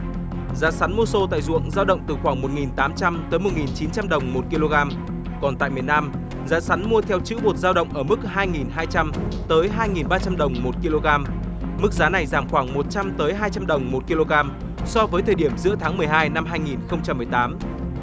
giá sắn mua xô tại ruộng dao động từ khoảng một nghìn tám trăm tới một nghìn chín trăm đồng một ki lô gam còn tại miền nam giá sắn mua theo chữ một dao động ở mức hai nghìn hai trăm tới hai nghìn ba trăm đồng một ki lô gam mức giá này giảm khoảng một trăm tới hai trăm đồng một ki lô gam so với thời điểm giữa tháng mười hai năm hai nghìn không trăm mười tám